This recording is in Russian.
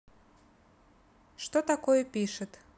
что такое пишет